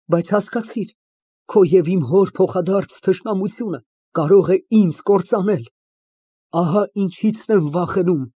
Բայց, հասկացիր, քո և իմ հոր փոխադարձ թշնամությունը կարող է ինձ կործանել, ահա ինչիցն եմ վախենում։